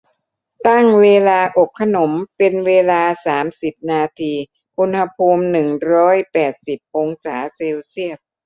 ตั้งเวลาอบขนมเป็นเวลาสามสิบนาทีอุณหภูมิหนึ่งร้อยแปดสิบองศาเซลเซียส